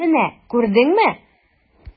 Менә күрдеңме!